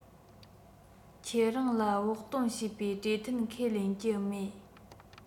ཁྱེད རང ལ བོགས གཏོང བྱེད པའི གྲོས མཐུན ཁས ལེན གྱི མེད